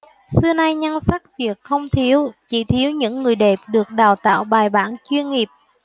xưa nay nhan sắc việt không thiếu chỉ thiếu những người đẹp được đào tạo bài bản chuyên nghiệp